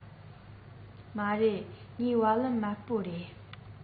མ རེད ངའི སྦ ལན དམར པོ རེད